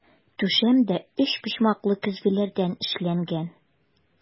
Түшәм дә өчпочмаклы көзгеләрдән эшләнгән.